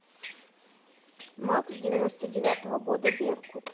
макс девяносто девятого года беркут